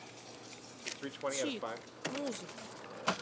чика музыка